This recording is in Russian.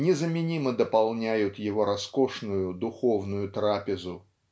незаменимо дополняют его роскошную духовную трапезу.